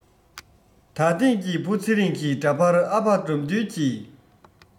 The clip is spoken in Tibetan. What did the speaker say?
ད ཐེངས ཀྱི བུ ཚེ རིང གི འདྲ པར ཨ ཕ དགྲ འདུལ གྱི